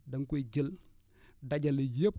da nga koy jël dajale yëpp